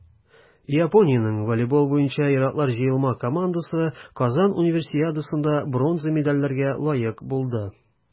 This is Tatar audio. Япониянең волейбол буенча ир-атлар җыелма командасы Казан Универсиадасында бронза медальләргә лаек булды.